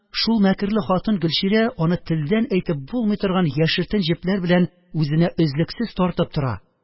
Шул мәкерле хатын гөлчирә аны телдән әйтеп булмый торган яшертен җепләр белән үзенә өзлексез тартып тора